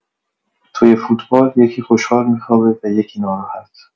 توی فوتبال یکی خوشحال می‌خوابه و یکی ناراحت.